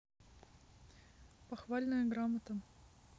похвальная грамота